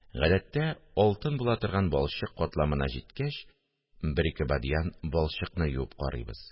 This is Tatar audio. Гадәттә, алтын була торган балчык катламына җиткәч, бер-ике бадьян балчыкны юып карыйбыз